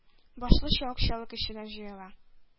Башлыча акчалы кешеләр җыела